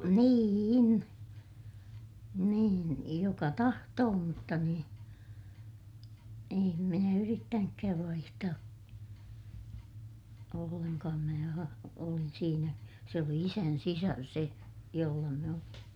niin niin joka tahtoi mutta niin en minä yrittänytkään vaihtaa ollenkaan minä - olin siinä se oli isän sisar se jolla minä olin